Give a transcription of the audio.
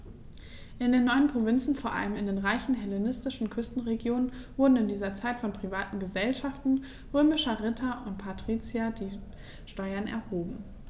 In den neuen Provinzen, vor allem in den reichen hellenistischen Küstenregionen, wurden in dieser Zeit von privaten „Gesellschaften“ römischer Ritter und Patrizier die Steuern erhoben.